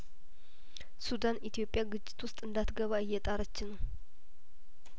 ሱዳን ኢትዮጵያ ግጭት ውስጥ እንዳት ገባ እየጣረች ነው